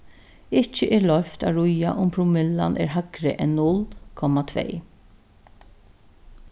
ikki er loyvt at ríða um promillan er hægri enn null komma tvey